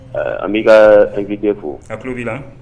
An b'i ka anp den fo kauru b'i la